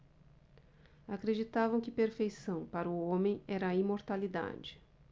acreditavam que perfeição para o homem era a imortalidade